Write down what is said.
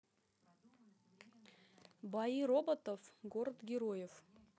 бои роботов город героев